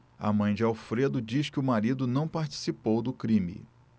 a mãe de alfredo diz que o marido não participou do crime